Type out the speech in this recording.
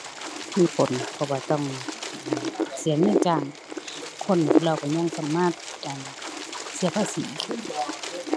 มีผลเพราะว่าต้อง เสียเงินจ้างคนแล้วก็ยังต้องมา เสียภาษีอีก